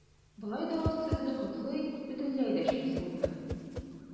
Болай да аз сүзле Котлый бөтенләй дәшмәс булды.